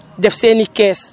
def seen i kees